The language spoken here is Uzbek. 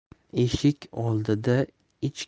eshik oldida ich